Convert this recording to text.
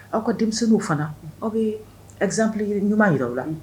Aw ka denmisɛnninw fana aw bɛ ɛzsap ɲuman yi o la